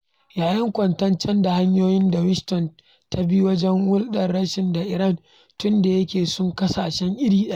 Yayi kwatance da hanyoyin da Washington ta bi wajen hulɗan Rasha da Iran, tun da yake sun kasance iri ɗaya.